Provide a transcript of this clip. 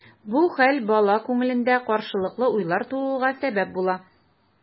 Бу хәл бала күңелендә каршылыклы уйлар тууга сәбәп була.